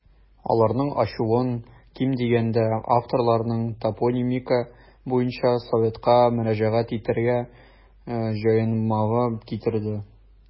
Аларның ачуын, ким дигәндә, авторларның топонимика буенча советка мөрәҗәгать итәргә җыенмавы китерде.